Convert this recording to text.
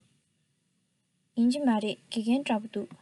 ཡིན གྱི མ རེད དགེ རྒན འདྲ པོ འདུག